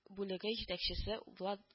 Бүлеге җитәкчесе влад